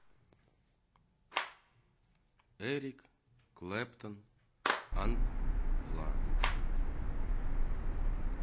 эрик клэптон анплагд